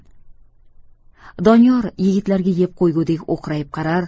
doniyor yigitlarga yeb qo'ygudek o'qrayib qarar